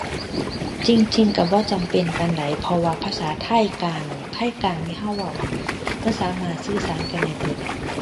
จริงจริงก็บ่จำเป็นปานใด เพราะว่าภาษาไทยกลางเนี่ย ไทยกลางที่ก็เว้าน่ะ มันสามารถสื่อสารกันได้เบิด